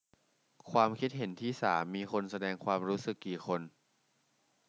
ความคิดเห็นที่สามมีคนแสดงความรู้สึกกี่คน